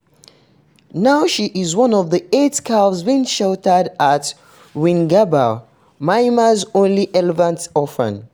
Now she is one of eight calves being sheltered at Wingabaw, Myanmar’s only elephant orphanage.